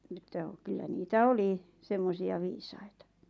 niin että kyllä niitä oli semmoisia viisaita